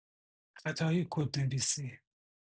خطای کدنویسی.